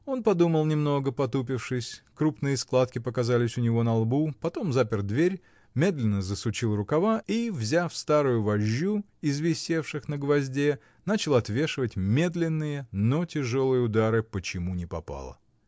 Он подумал немного, потупившись, крупные складки показались у него на лбу, потом запер дверь, медленно засучил рукава и, взяв старую вожжу, из висевших на гвозде, начал отвешивать медленные, но тяжелые удары по чему ни попало.